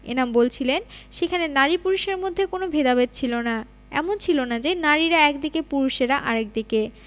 এনাম বলছিলেন সেখানে নারী পুরুষের মধ্যে কোনো ভেদাভেদ ছিল না এমন ছিল না যে নারীরা একদিকে পুরুষেরা আরেক দিকে